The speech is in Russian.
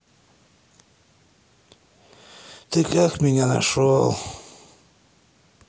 ты как меня нашел